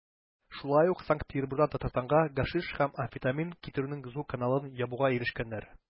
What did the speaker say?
Шулай ук Санкт-Петербургтан Татарстанга гашиш һәм амфетамин китерүнең зур каналын ябуга ирешкәннәр.